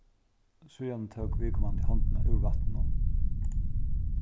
síðani tók viðkomandi hondina úr vatninum